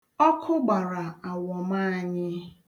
Ọkụ gbara awọm anyị.